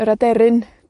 Yr aderyn.